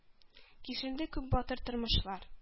Киселде күп батыр тормышлар,